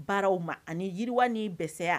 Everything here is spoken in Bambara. Baaraw ma ani yiriwa ni dɛsɛya